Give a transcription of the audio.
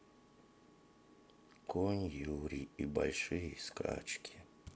конь юрий и большие скачки